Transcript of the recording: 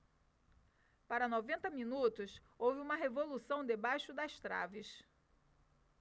para noventa minutos houve uma revolução debaixo das traves